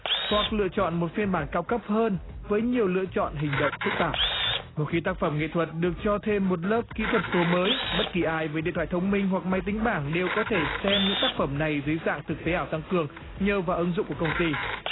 hoặc lựa chọn một phiên bản cao cấp hơn với nhiều lựa chọn hình động phức tạp và khi tác phẩm nghệ thuật được cho thêm một lớp kỹ thuật số mới bất kỳ ai với điện thoại thông minh hoặc máy tính bảng đều có thể xem những tác phẩm này dưới dạng thực tế ảo tăng cường nhờ vào ứng dụng của công ty